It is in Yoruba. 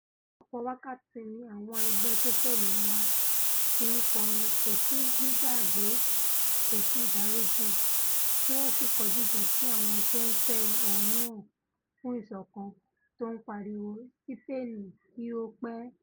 Fún ọ̀pọ̀ wákàtí ni àwọn ẹgbẹ́ tófẹ́ òmìnira fi ńkọrin ''Kòsí gbígbàgbé, kòsí ìdáríjìn'' tíwọ́n sì kọjú ìjà sí àwọn tó ń fẹ̀hónúhàn fún ìsọkan tó ń pariwo, ''Sípèènì kí ó pẹ́.''